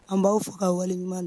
An b'aw fɔ k ka waleɲuman na